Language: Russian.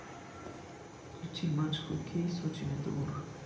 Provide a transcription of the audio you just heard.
включи матч хоккей сочи металлург